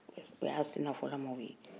o y' a sɛnɛfɔlamanw ye